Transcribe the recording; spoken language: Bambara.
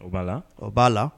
O b'a la o b'a la